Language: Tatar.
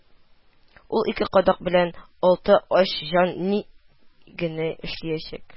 Ул ике кадак белән алты ач җан ни генә эшләячәк